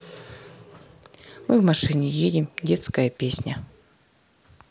мы в машине едем детская песня